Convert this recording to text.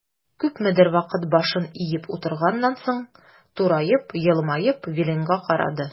Күпмедер вакыт башын иеп утырганнан соң, тураеп, елмаеп Виленга карады.